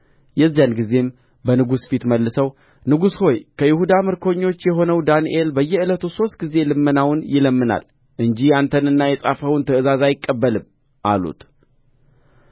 የዚያን ጊዜም በንጉሡ ፊት መልሰው ንጉሥ ሆይ ከይሁዳ ምርኮኞች የሆነው ዳንኤል በየዕለቱ ሦስት ጊዜ ልመናውን ይለምናል እንጂ አንተንና የጻፍኸውን ትእዛዝ አይቀበልም አሉት